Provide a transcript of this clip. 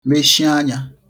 meshi anyā